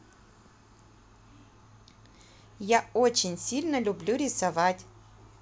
я очень сильно люблю рисовать